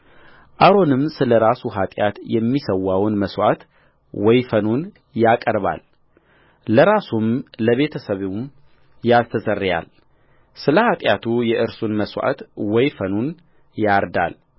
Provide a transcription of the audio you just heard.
አሮንም ስለ ራሱ ኃጢአት የሚሠዋውን መሥዋዕት ወይፈኑን ያቀርባል ለራሱም ለቤተ ሰቡም ያስተሰርያል ስለ ኃጢአቱ የእርሱን መሥዋዕት ወይፈኑን ያርዳል